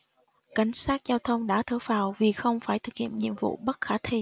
cảnh sát giao thông đã thở phào vì không phải thực hiện nhiệm vụ bất khả thi